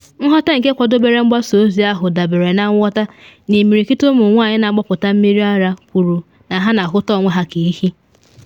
Nghọta nke kwadobere mgbasa ozi ahụ dabere na nghọta na imirikiti ụmụ nwanyị na agbapụta mmiri ara kwuru na ha na ahụta onwe ha ka ehi.